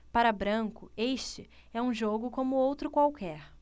para branco este é um jogo como outro qualquer